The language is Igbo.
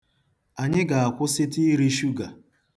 Anyị ga-akwụsịtụ iri shuga.